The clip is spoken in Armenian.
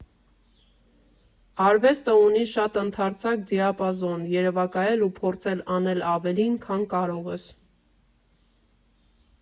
Արվեստը ունի շատ ընդարձակ դիապազոն, երևակայել ու փորձել անել ավելին, քան կարող ես։